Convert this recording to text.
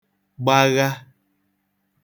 gbàgha